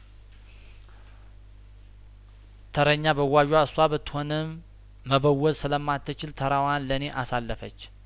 ተረኛ በዋዧ እሷ ብትሆንም መ በወዝ ስለማትችል ተረዋን ለኔ አሳለፈች